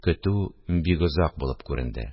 Көтү бик озак булып күренде